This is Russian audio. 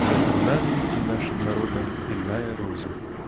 Между нами и нашим народом--иная рознь.